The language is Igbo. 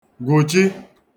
gwùchi